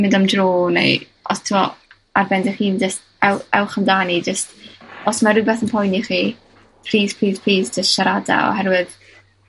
mynd am dro neu, os t'mo', ar ben dy hun jyst ew- ewch amdani jyst os ma' rwbeth yn poeni chi, plîs plîs plîs jys siarada, oherwydd